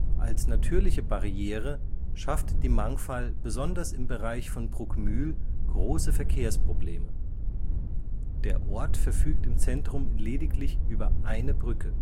Als natürliche Barriere schafft die Mangfall besonders im Bereich von Bruckmühl große Verkehrsprobleme. Der Ort verfügt im Zentrum lediglich über eine Brücke